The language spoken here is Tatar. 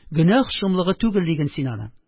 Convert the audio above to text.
Гөнаһ шомлыгы түгел диген син аны